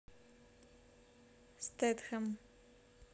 стетхем